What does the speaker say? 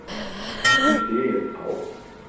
Ich stehe jetzt auf.